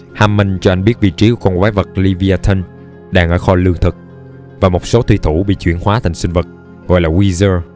hammond cho anh biết vị trí của con quái vật leviathan đang ở kho lương thực và một số thuỷ thủ bị chuyển hoá thành sinh vật gọi là wheezer